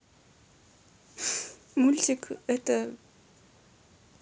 мультик это